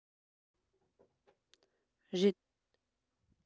རེད